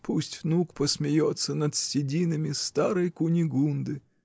Пусть внук посмеется над сединами старой Кунигунды!.